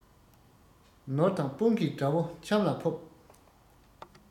ནོར དང དཔུང གིས དགྲ བོ ཆམ ལ ཕོབ